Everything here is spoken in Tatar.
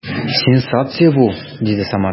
Сенсация бу! - диде Саматов.